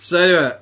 So eniwe.